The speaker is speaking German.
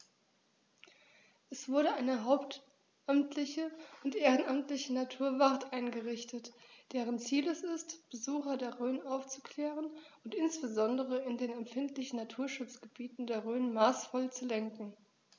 Es wurde eine hauptamtliche und ehrenamtliche Naturwacht eingerichtet, deren Ziel es ist, Besucher der Rhön aufzuklären und insbesondere in den empfindlichen Naturschutzgebieten der Rhön maßvoll zu lenken.